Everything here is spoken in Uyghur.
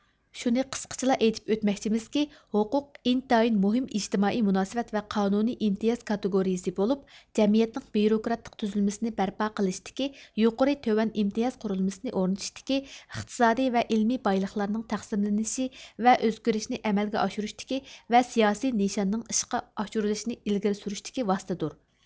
شۇنى قىسقىچىلا ئېيتىپ ئۆتمەكچىمىزكى ھوقۇق ئىنتايىن مۇھىم ئىجتىمائىي مۇناسىۋەت ۋە قانۇنىي ئىمتىياز كاتېگورىيىسى بولۇپ جەمئىيەتنىڭ بيۇروكراتلىق تۈزۈلمىسىنى بەرپا قىلىشتىكى يۇقىرى تۆۋەن ئىمتىياز قۇرۇلمىسىنى ئورنىتىشتىكى ئىقتىسادىي ۋە ئىلمىي بايلىقلارنىڭ تەقسىملىنىشى ۋە ئۆزگىرىشىنى ئەمەلگە ئاشۇرۇشتىكى ۋە سىياسىي نىشاننىڭ ئىشقا ئاشۇرۇلۇشىنى ئىلگىرى سۈرۈشتىكى ۋاسىتىدۇر